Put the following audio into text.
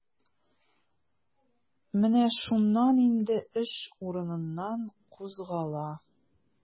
Менә шуннан инде эш урыныннан кузгала.